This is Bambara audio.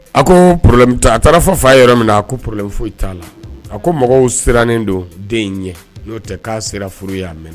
A ko problème ta,a taara fɔ fa ye yɔrɔ min na, a ko problème foyi t'a la. A ko mɔgɔw sirannen don den in ɲɛ, n'o tɛ k'a sera furu ye a mɛna.